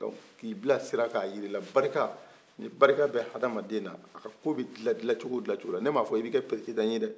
k'i bilasira k'a yir'ila barika ni barika be hadamadela a ka ko be dilan dilancogo dilancogo la ne m'a fɔ i be kɛ perezidan ye dɛ